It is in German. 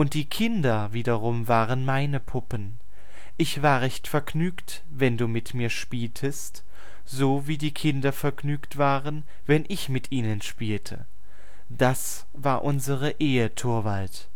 die Kinder wiederum waren meine Puppen. Ich war recht vergnügt, wenn du mit mir spieltest, so wie die Kinder vergnügt waren, wenn ich mit ihnen spielte. Das war unsere Ehe, Torvald